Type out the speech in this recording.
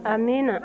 amiina